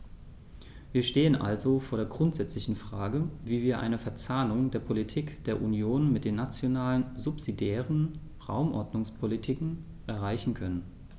Wir stehen also vor der grundsätzlichen Frage, wie wir eine Verzahnung der Politik der Union mit den nationalen subsidiären Raumordnungspolitiken erreichen können.